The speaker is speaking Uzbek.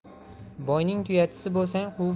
boyning tuyachisi bo'lsang quv